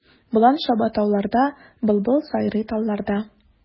Болан чаба тауларда, былбыл сайрый талларда.